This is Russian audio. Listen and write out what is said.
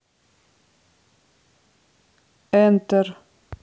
enter